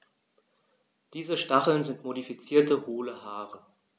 Diese Stacheln sind modifizierte, hohle Haare.